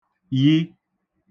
yi